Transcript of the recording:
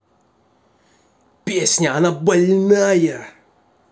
песня она больная